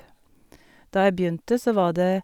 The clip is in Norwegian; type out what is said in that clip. Da jeg begynte, så var det...